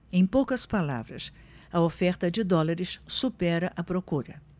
em poucas palavras a oferta de dólares supera a procura